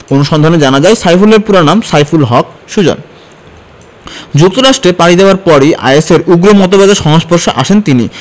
অনুসন্ধানে জানা যায় সাইফুলের পুরা নাম সাইফুল হক সুজন যুক্তরাজ্যে পাড়ি দেওয়ার পরই আইএসের উগ্র মতবাদের সংস্পর্শে আসেন তিনি